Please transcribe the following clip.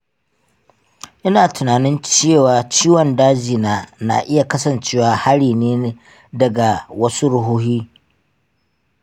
ina tunanin cewa ciwon dajina na iya kasancewa hari ne daga wasu ruhuhi.